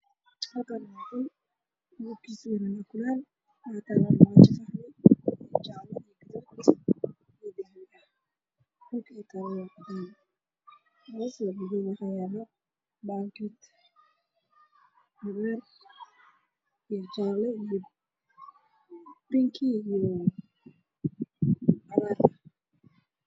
Waa armaajo midabkeedu yahay dhalo caadaan waana qol